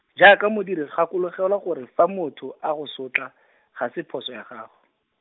jaaka modiri gakologelwa gore fa motho a go sotla, ga se phoso ya gago.